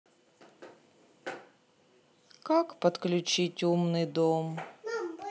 как подключить умный дом